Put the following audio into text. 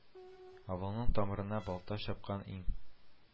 Авылның тамырына балта чапкан иң